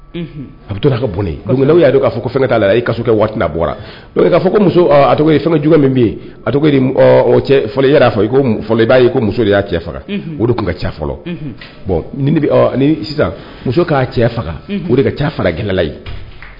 A bɛ to ka bɔa ko fɛn'a waati bɔraa min'a fɔa muso de y'a cɛ faga tun ka faga ka ca fara gɛlɛla ye